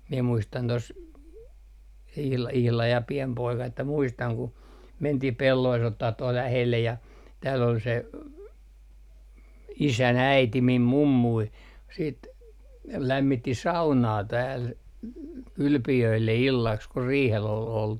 minä muistan tuossa - ihan ja pieni poika että muistan kun mentiin pelloista ottamaan tuohon lähelle ja täällä oli se isän äiti minun mummuni sitten lämmitti saunaa täällä kylpijöille illaksi kun riihellä oli oltu